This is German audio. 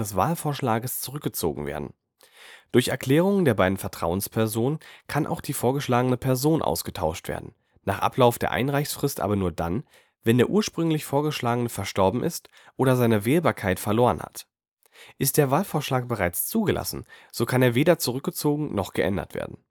Wahlvorschlages zurückgezogen werden. Durch Erklärung der beiden Vertrauenspersonen kann auch die vorgeschlagene Person ausgetauscht werden, nach Ablauf der Einreichsfrist aber nur dann, wenn der ursprünglich Vorgeschlagene verstorben ist oder seine Wählbarkeit verloren hat. Ist der Wahlvorschlag bereits zugelassen, so kann er weder zurückgezogen noch geändert werden